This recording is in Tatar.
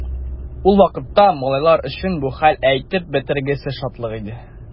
Ул вакытта малайлар өчен бу хәл әйтеп бетергесез шатлык иде.